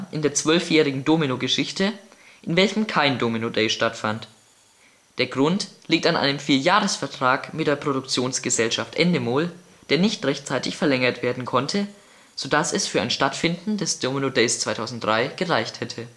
12 jährigen Domino Geschichte, in welchem kein Domino Day stattfand. Der Grund liegt an einem 4 Jahres Vertrag mit der Produktionsgesellschaft Endemol, der nicht rechtzeitig verlängert werden konnte, sodass es für ein stattfinden des Domino Days 2003 gereicht hätte